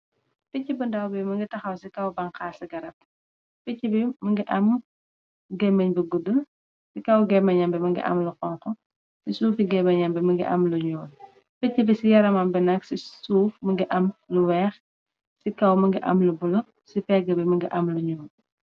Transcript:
Picc bu ndaw bi mëngi taxaw ci kaw banxaa ci garab. Picc bi mëngi am gémeñ bu guddu. Ci kaw gémeñambi mëngi am lu xonk, ci suuf yi gébenambi mëngi am lu ñuol. Picc bi ci yaramam bi nag ci suuf mëngi am lu weex, ci kaw mëngi am lu bulo, ci pégg bi, mëngi am lu ñuol.